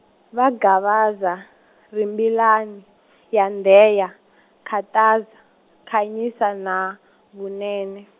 va Gavaza, Rimbilana, Yandheya, Khataza, Khanyisa na Munene.